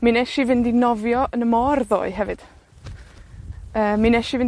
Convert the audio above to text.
Mi nesh i fynd i nofio yn y môr ddoe hefyd. Yy, mi nesh i fynd